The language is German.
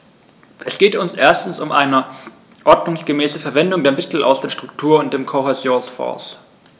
Es geht uns erstens um eine ordnungsgemäße Verwendung der Mittel aus den Struktur- und dem Kohäsionsfonds.